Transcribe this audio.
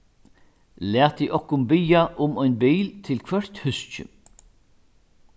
latið okkum biðja um ein bil til hvørt húski